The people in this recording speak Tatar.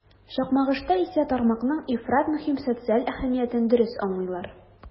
Чакмагышта исә тармакның ифрат мөһим социаль әһәмиятен дөрес аңлыйлар.